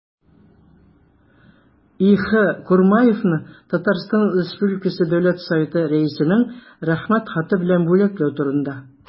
И.Х. Курмаевны Татарстан республикасы дәүләт советы рәисенең рәхмәт хаты белән бүләкләү турында